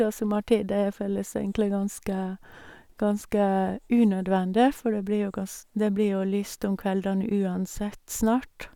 Og sommertid det føles egentlig ganske ganske unødvendig, for det blir jo gans det blir jo lyst om kveldene uansett snart.